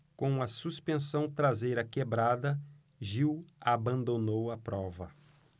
com a suspensão traseira quebrada gil abandonou a prova